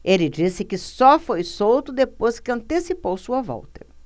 ele disse que só foi solto depois que antecipou sua volta